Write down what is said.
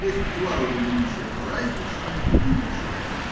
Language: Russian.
Есть два рода величия: праздничное и будничное.